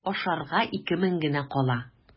Ашарга ике мең генә кала.